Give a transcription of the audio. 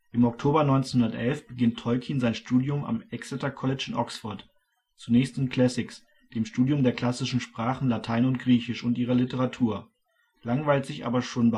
Im Oktober 1911 beginnt Tolkien sein Studium am Exeter College in Oxford, zunächst in Classics, dem Studium der klassischen Sprachen Latein und Griechisch und ihrer Literatur, langweilt sich aber schon